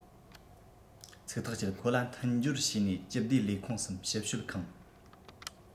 ཚིག ཐག བཅད ཁོ ལ མཐུན སྦྱོར བྱས ནས སྤྱི བདེ ལས ཁུངས སམ ཞིབ དཔྱོད ཁང